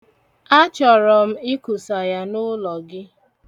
Achọrọ m ikusa ya n'ụlọ gị.